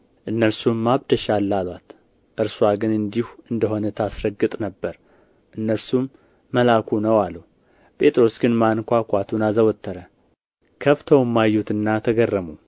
እነርሱም አብደሻል አሉአት እርስዋ ግን እንዲሁ እንደ ሆነ ታስረግጥ ነበር እነርሱም መልአኩ ነው አሉ ጴጥሮስ ግን ማንኳኳቱን አዘወተረ ከፍተውም አዩትና ተገረሙ